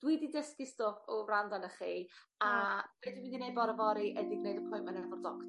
dwi 'di dysgu stwff o gwrando ano chi a be' dwi mynd i neud bore fory ydi gwneud appointment efo'r doct-...